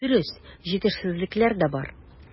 Дөрес, җитешсезлекләр дә бар.